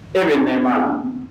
E ni nɛ' la